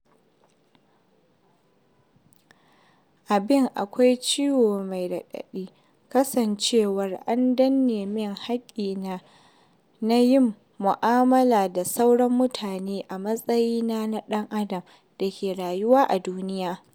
Abin akwai ciwo mai raɗaɗi kasancewar an danne min haƙƙina na yin mu'amala da sauran mutane a matsayina na ɗan adam da ke rayuwa a duniya.